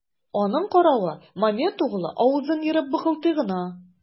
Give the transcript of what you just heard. Аның каравы, Мамед углы авызын ерып быкылдый гына.